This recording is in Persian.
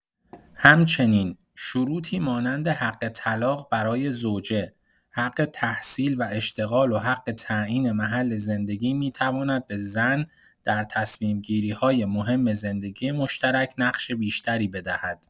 همچنین، شروطی مانند حق طلاق برای زوجه، حق تحصیل و اشتغال و حق تعیین محل زندگی می‌تواند به زن در تصمیم‌گیری‌های مهم زندگی مشترک نقش بیشتری بدهد.